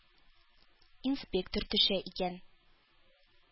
Инспектор төшә икән.